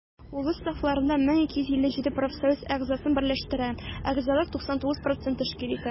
Ул үз сафларында 1257 профсоюз әгъзасын берләштерә, әгъзалык 99 % тәшкил итә.